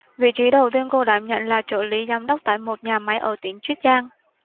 vị trí đầu tiên cô đảm nhận là trợ lý giám đốc tại một nhà máy ở tỉnh chiết giang